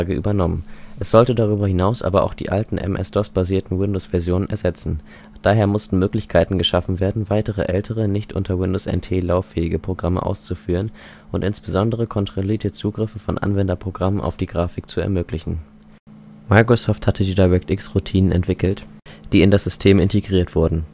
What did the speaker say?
übernommen. Es sollte darüber hinaus aber auch die alten MS-DOS-basierten Windows-Versionen ersetzen. Daher mussten Möglichkeiten geschaffen werden, weitere ältere, nicht unter Windows NT lauffähige Programme auszuführen und insbesondere kontrollierte Zugriffe von Anwenderprogrammen auf die Grafik zu ermöglichen. Microsoft hatte die DirectX-Routinen entwickelt, die in das System integriert wurden